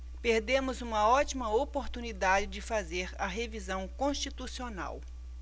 perdemos uma ótima oportunidade de fazer a revisão constitucional